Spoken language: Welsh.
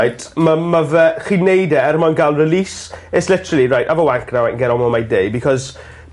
...reit ma' ma' fe chi'n neud e er mwyn ga'l release i's literally right 'ave a wank now an' ger on with my day because